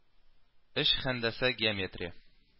3 һәндәсә - геометрия